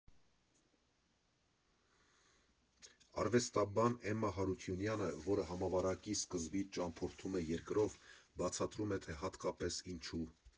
Արվեստաբան Էմմա Հարությունյանը, որը համավարակի սկզբից ճամփորդում է երկրով, բացատրում է, թե հատկապես ինչու։